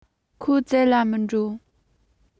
ཁོ བཙལ ལ མི འགྲོ